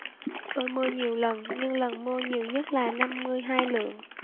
tôi mua nhiều lần nhưng lần mua nhiều nhất là năm mươi hai lượng